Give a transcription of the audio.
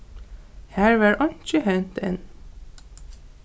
har var einki hent enn